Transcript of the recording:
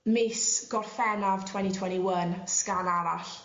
mis Gorffennaf tweny tweny one sgan arall.